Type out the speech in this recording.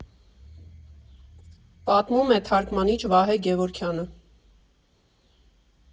Պատմում է թարգմանիչ Վահե Գևորգյանը։